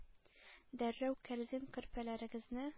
Дәррәү кәрзин, көрпәләрегезне